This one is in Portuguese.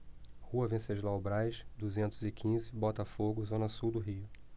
rua venceslau braz duzentos e quinze botafogo zona sul do rio